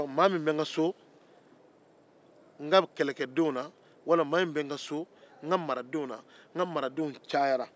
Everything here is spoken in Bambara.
mɔgɔ min bɛ n ka so n ka kɛlɛdenw na wala mɔgɔ min bɛ n ka so n ka maradenw n ka maradenw cayara